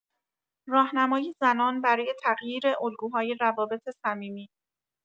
راهنمای زنان برای تغییر الگوهای روابط صمیمی